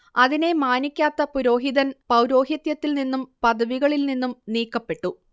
അതിനെ മാനിക്കാത്ത പുരോഹിതൻ പൗരോഹിത്യത്തിൽ നിന്നും പദവികളിൽ നിന്നും നീക്കപ്പെട്ടു